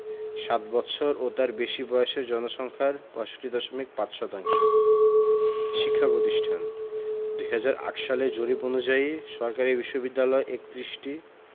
সাত বৎসর ও তার বেশি বয়সের জনসংখ্যার ৬৫.৫ শতাংশ শিক্ষাপ্রতিষ্ঠানঃ ২০০৮ সালের জরিপ অনুযায়ী সরকারি বিশ্ববিদ্যালয় ৩১টি